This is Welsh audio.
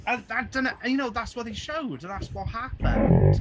O a- dyna and you know that's what they showed and that's what happened.